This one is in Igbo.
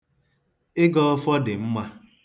Ịgọ ọfọ dị mma.